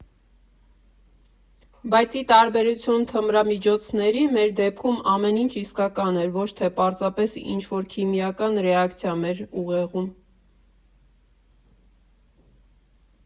Բայց, ի տարբերություն թմրամիջոցների, մեր դեպքում ամեն ինչ իսկական էր, ոչ թե պարզապես ինչ֊որ քիմիական ռեակցիա մեր ուղեղում։